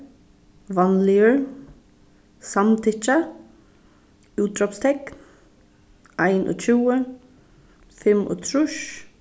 vanligur samtykkja útrópstekn einogtjúgu fimmogtrýss